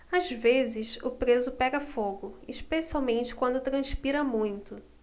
às vezes o preso pega fogo especialmente quando transpira muito